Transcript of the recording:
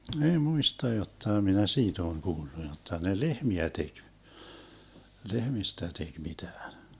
minä ei muista jotta minä siitä olen kuullut jotta ne lehmiä teki lehmistä teki mitään